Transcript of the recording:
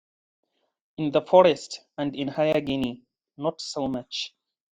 In the forest and in Higher Guinea, not so much.